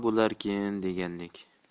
nima bo'larkin degandek